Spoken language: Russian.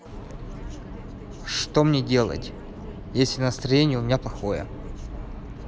что мне делать если настроение у меня плохое